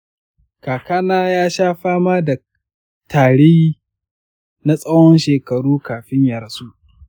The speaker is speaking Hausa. kakana ya sha fama da tari na tsawon shekaru kafin ya rasu.